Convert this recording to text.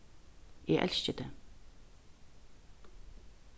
eg elski teg